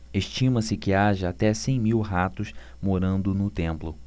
estima-se que haja até cem mil ratos morando no templo